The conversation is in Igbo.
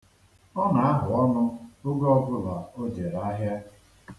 Ọ na-ahụ ọnụ oge ọbụla o jere ahịa.